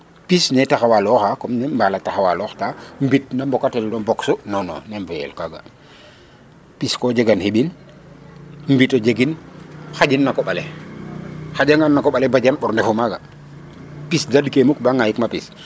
Pis ne na taxawalooxaa comme ne mbala taxawaloox ta mbit da mbokatel no box non non ne mbiyel kaaga pis ke jegan xiɓin mbito jegin xaƴin na koƥ ale .O xaƴanagan na koƥ ale bajan ƥor ndefu maaga pis daɗkee muk ba ŋaayitma pis.